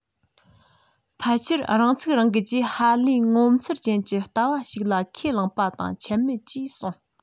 ཕལ ཆེར རང ཚིག རང འགལ གྱི ཧ ལས ངོ མཚར ཅན གྱི ལྟ བ ཞིག ལ ཁས བླངས པ དང ཁྱད མེད ཅེས གསུངས